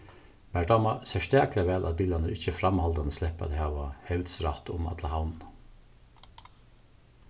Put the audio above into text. mær dámar serstakliga væl at bilarnir ikki framhaldandi sleppa at hava hevdsrætt um alla havnina